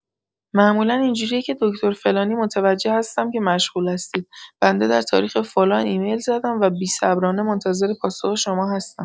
معمولا اینجوریه که دکتر فلانی متوجه هستم که مشغول هستید، بنده در تاریخ فلان ایمل زدم و بیصبرانه منتظر پاسخ شما هستم.